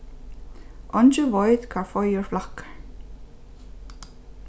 eingin veit hvar feigur flakkar